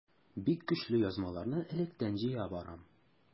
Бик көчле язмаларны электән җыя барам.